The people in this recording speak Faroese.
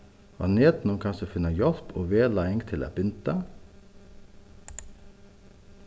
á netinum kanst tú finna hjálp og vegleiðing til at binda